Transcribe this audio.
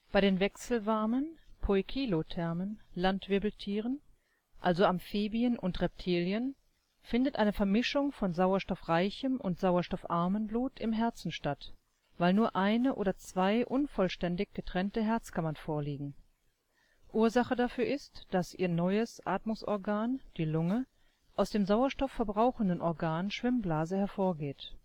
Bei den wechselwarmen (poikilothermen) Landwirbeltieren, also Amphibien und Reptilien, findet eine Vermischung von sauerstoffreichem und sauerstoffarmem Blut im Herzen statt, weil nur eine oder zwei unvollständig getrennte Herzkammern vorliegen. Ursache ist, dass ihr „ neues “Atmungsorgan – die Lunge – aus dem sauerstoffverbrauchenden Organ Schwimmblase hervorgeht